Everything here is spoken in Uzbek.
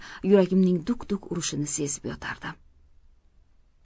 yuragimning duk duk urishini sezib yotardim